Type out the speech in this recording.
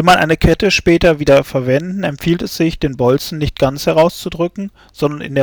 eine Kette später wieder verwendet, empfiehlt es sich, den Bolzen nicht ganz herauszudrücken sondern